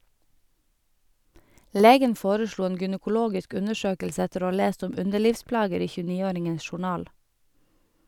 Legen foreslo en gynekologisk undersøkelse etter å ha lest om underlivsplager i 29-åringens journal.